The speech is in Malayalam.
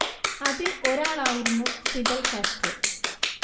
അതിൽ ഒരാളായിരുന്നു ഫിദൽ കാസ്ട്രോ